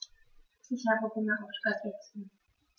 Ich habe Hunger auf Spaghetti.